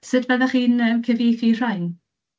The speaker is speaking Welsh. Sut fyddwch chi'n, yy, cyfeithu rhain?